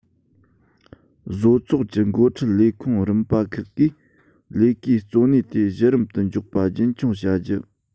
བཟོ ཚོགས ཀྱི འགོ ཁྲིད ལས ཁུངས རིམ པ ཁག གིས ལས ཀའི གཙོ གནད དེ གཞི རིམ དུ འཇོག པ རྒྱུན འཁྱོངས བྱ རྒྱུ